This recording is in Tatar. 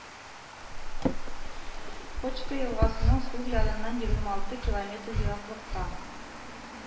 Почка елгасының сул ярыннан егерме алты километр ераклыкта